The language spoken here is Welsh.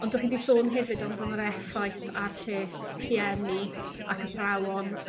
Ond dych chi 'di sôn hefyd amdan yr effaith ar lles rhieni ac athrawon